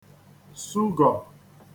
sugọ̀